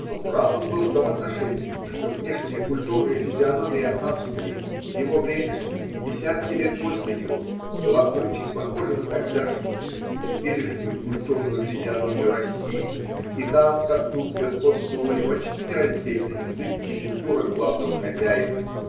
Но прав он был в том отношении, что внешняя культурная физиономия Австрии в его время и десятки лет после него была очень похожа на тогдашнюю или теперешнюю культурную физиономию России: и там, как тут, господствовали почти нераздельно язык и культура главного хозяина